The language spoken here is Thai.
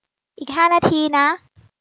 อีกห้านาทีนะ